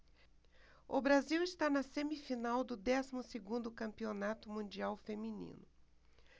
o brasil está na semifinal do décimo segundo campeonato mundial feminino